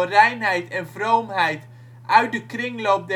reinheid en vroomheid uit de kringloop